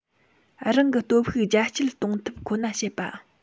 རང གི སྟོབས ཤུགས རྒྱ སྐྱེད གཏོང ཐབས ཁོ ན བྱེད པ